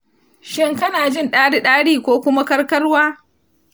shin kana jin ɗari-ɗari ko kuma karkarwa?